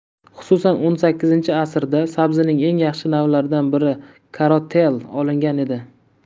xususan o'n sakkizinchi asrda sabzining eng yaxshi navlaridan biri karotel olingan edi